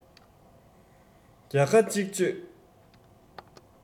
བརྒྱ ཁ གཅིག གཅོད